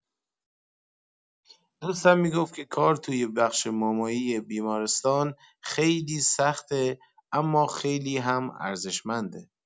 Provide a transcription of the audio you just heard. دوستم می‌گفت که کار توی بخش مامایی بیمارستان خیلی سخته اما خیلی هم ارزشمنده.